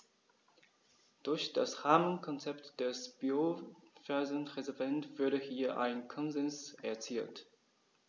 Durch das Rahmenkonzept des Biosphärenreservates wurde hier ein Konsens erzielt.